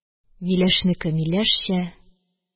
Миләшнеке миләшчә